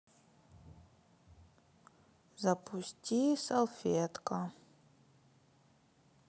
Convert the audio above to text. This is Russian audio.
запусти салфетка